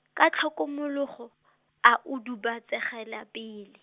ka tlhokomologo, a udubatsegela pele.